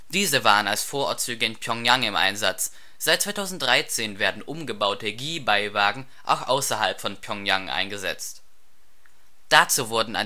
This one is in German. Diese waren als Vorortzüge in Pjöngjang im Einsatz, seit 2013 werden umgebaute GI-Beiwagen auch außerhalb von Pjöngjang eingesetzt. Dazu wurden